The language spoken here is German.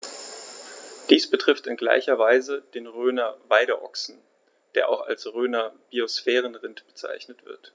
Dies betrifft in gleicher Weise den Rhöner Weideochsen, der auch als Rhöner Biosphärenrind bezeichnet wird.